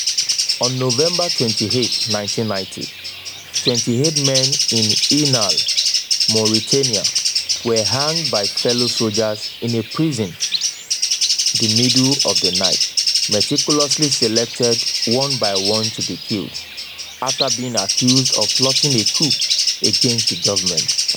On November 28, 1990, 28 men in Inal, Mauritania, were hanged by fellow soldiers in a prison the middle of the night, meticulously selected one by one to be killed, after being accused of plotting a coup against the government.